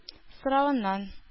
Соравыннан